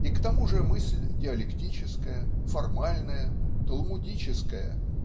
и к тому же мысль диалектическая формальная талмудическая